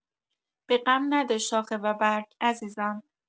به غم نده شاخه و برگ عزیزم